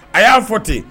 A y'a fɔ ten